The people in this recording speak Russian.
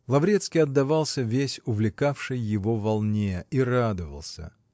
Лаврецкий отдавался весь увлекавшей его волне -- и радовался